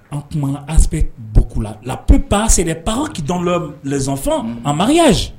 An tun ase bo la lap pa sɛbɛ pakidɔn dɔ zonsɔn a mayaz